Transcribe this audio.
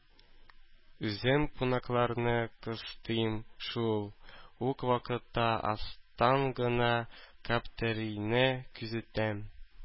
Үзем кунакларны кыстыйм, шул ук вакытта астан гына Гаптерине күзәтәм.